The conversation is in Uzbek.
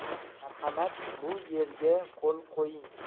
marhamat bu yerga qo'l qo'ying